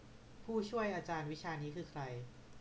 ผู้ช่วยอาจารย์วิชานี้คือใคร